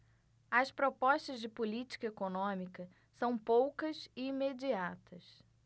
as propostas de política econômica são poucas e imediatas